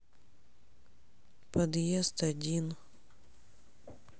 подъезд один